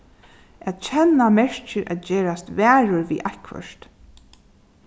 at kenna merkir at gerast varur við eitthvørt